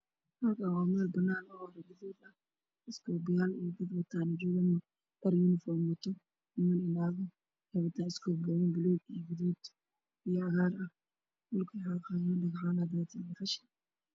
Waa rag io dumar dhul xaaqayo yunufoon kulabisan oo dhul xaagayso